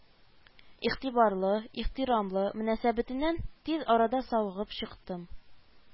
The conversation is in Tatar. Игътибарлы, ихтирамлы мөнәсәбәтеннән тиз арада савыгып чыктым